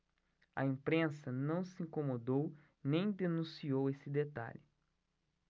a imprensa não se incomodou nem denunciou esse detalhe